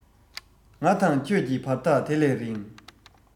ང དང ཁྱོད ཀྱི བར ཐག དེ ལས རིང